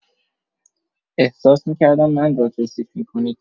احساس می‌کردم من را توصیف می‌کنید.